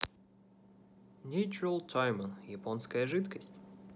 timon японской жидкость